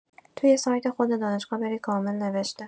توی سایت خود دانشگاه برید کامل نوشته